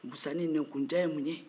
busanni nɛnkunjan ye mun ye